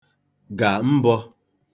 gà mbọ̄